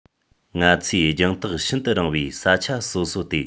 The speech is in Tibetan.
ང ཚོས རྒྱང ཐག ཤིན ཏུ རིང བའི ས ཆ སོ སོ སྟེ